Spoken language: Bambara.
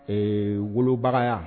Ee wolobagaya